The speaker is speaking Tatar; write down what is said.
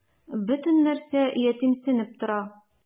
Бөтен нәрсә ятимсерәп тора.